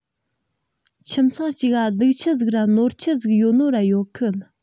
ཁྱིམ ཚང གཅིག ག ལུག ཁྱུ ཟིག ར ནོར ཁྱུ གཅིག ཡོད ནོ ར ཡོད གི